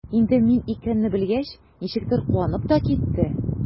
Инде мин икәнне белгәч, ничектер куанып та китте.